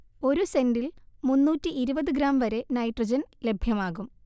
ഒരു സെന്റിൽ മുന്നൂറ്റി ഇരുപത് ഗ്രാം വരെ നൈട്രജൻ ലഭ്യമാകും